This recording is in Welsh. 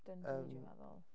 Dundee... yym... dwi'n meddwl.